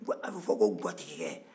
bon a bɛ fɔ ko gwatigikɛ